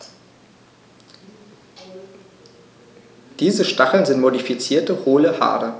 Diese Stacheln sind modifizierte, hohle Haare.